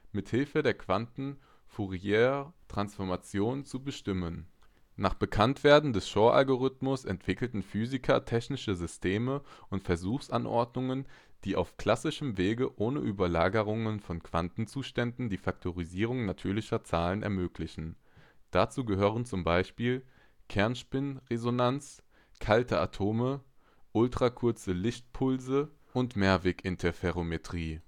mit Hilfe der Quanten-Fouriertransformation zu bestimmen. Nach Bekanntwerden des Shor-Algorithmus entwickelten Physiker technische Systeme und Versuchsanordnungen, die auf klassischem Weg, ohne Überlagerung von Quantenzuständen, die Faktorisierung natürlicher Zahlen ermöglichen. Dazu gehören z. B. Kernspinresonanz, kalte Atome, ultrakurze Lichtpulse und Mehrweg-Interferometrie